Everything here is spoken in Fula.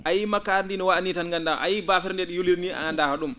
a yyiii makkaari ndi no waya nii tan nganndaa a yiyii baafere ndee no yuliri nii a anndaa ho?um